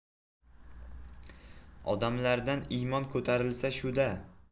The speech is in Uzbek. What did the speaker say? odamlardan iymon ko'tarilsa shu da